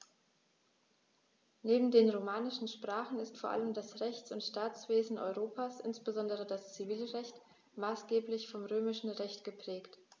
Neben den romanischen Sprachen ist vor allem das Rechts- und Staatswesen Europas, insbesondere das Zivilrecht, maßgeblich vom Römischen Recht geprägt.